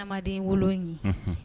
Adamaden wolo ye